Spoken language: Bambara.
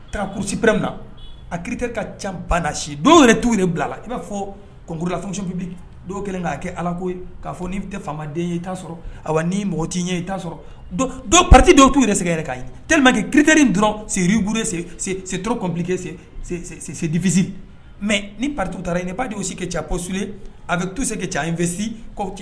Ila' kɛ ala ko'a fɔ n bɛden ye t'a sɔrɔ a n mɔgɔ t'i ɲɛ i t'a sɔrɔti dɔw tu yɛrɛ sɛ'a ye teri di kite dɔrɔn seriurese setosesedifisi mɛ nitu taara yen ni ba de se ka ca kosi a bɛ tose ka ca infɛ